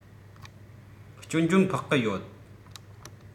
སྐྱོན བརྗོད ཕོག གི ཡོད